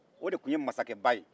o de tun ye masakɛba